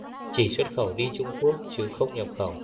chỉ xuất khẩu đi trung quốc chứ không nhập khẩu